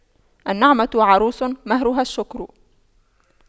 النعمة عروس مهرها الشكر